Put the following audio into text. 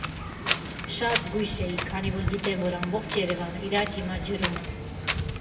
Շատ զգույշ էի, քանի որ գիտեմ, որ ամբողջ Երևանը իրար հիմա ջրում ա։